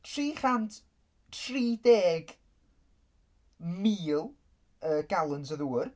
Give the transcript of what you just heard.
Tri chant tri deg mil yy gallons o ddŵr